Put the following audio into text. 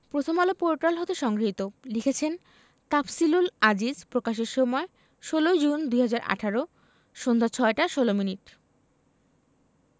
Prothom Alo portal হতে সংগৃহীত লিখেছেন তাফসিলুল আজিজ প্রকাশের সময় ১৬জুন ২০১৮ সন্ধ্যা ৬টা ১৬ মিনিট